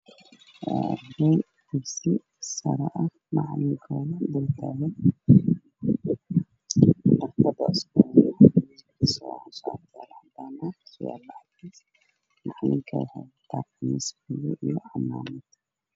Waa iskuul arday ayaa fadhiyaan oo wataan shaati cadaan surraale cadaan macallin khamiis madow wata ayaa dhex taa